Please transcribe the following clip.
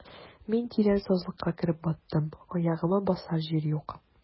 Мин тирән сазлыкка кереп баттым, аягыма басар җир юк.